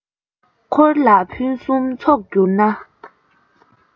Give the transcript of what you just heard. འཁོར ལ ཕུན སུམ ཚོགས གྱུར ན